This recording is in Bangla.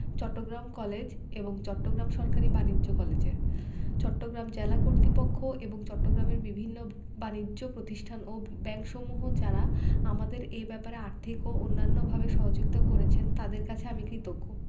চট্টগ্রাম কলেজ এবং চট্টগ্রাম সরকারি বাণিজ্য কলেজের চট্টগ্রাম জেলা কর্তৃপক্ষ এবং চট্টগ্রামের বিভিন্ন বানিজ্য প্রতিষ্ঠান ও ব্যাংকসমূহ যারা আমাদের এ ব্যাপারে আর্থিক এবং অন্যান্যভাবে সহযোগিতা করেছেন তাঁদের কাছে আমি কৃতজ্ঞ